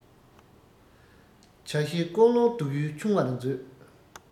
བྱ ཤེས ཀོ ལོང སྡུག ཡུས ཆུང བར མཛོད